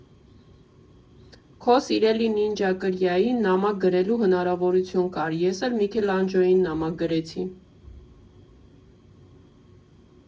Քո սիրելի նինջա կրիային նամակ գրելու հնարավորություն կար, ես էլ Միքելանջելոյին նամակ գրեցի։